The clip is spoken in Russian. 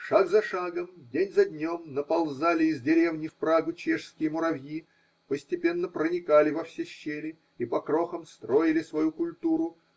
Шаг за шагом, день за днем, наползали из деревни в Прагу чешские муравьи, постепенно проникали во все щели и по крохам строили свою культуру.